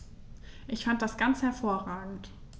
Ich fand das ganz hervorragend.